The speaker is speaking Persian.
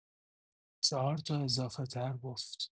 ۴ تا اضافه‌تر گفت